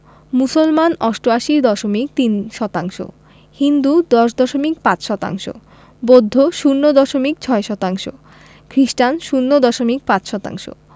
মুসলমান ৮৮দশমিক ৩ শতাংশ হিন্দু ১০দশমিক ৫ শতাংশ বৌদ্ধ ০ দশমিক ৬ শতাংশ খ্রিস্টান ০দশমিক ৫ শতাংশ